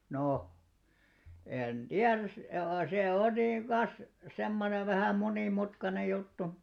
no en tiedä - se on niin kas semmoinen vähän monimutkainen juttu